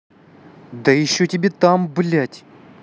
да еще тебе там блять